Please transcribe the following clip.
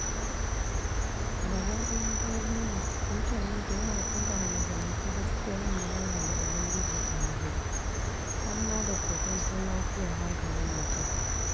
A gaba ɗayan tarihi, mutane da yawa sun ƙalubalanci gaskiyar magana da ubangiji ta mafarki, har ma da kokwanton lafiyar hankalin mutum.